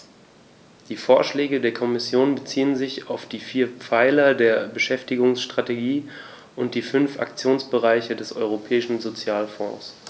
Die Vorschläge der Kommission beziehen sich auf die vier Pfeiler der Beschäftigungsstrategie und die fünf Aktionsbereiche des Europäischen Sozialfonds.